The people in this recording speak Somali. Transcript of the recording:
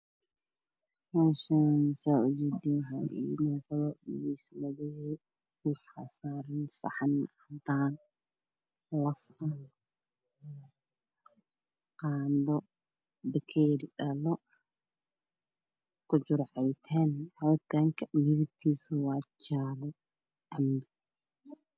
Meshaas aad u jeedeen waxa iga muuqdo miis mdow ah waxa saran saxan cadaan qaando bakeeri dhalo kujiro capitaan capitanka midapkiia waa jale canpe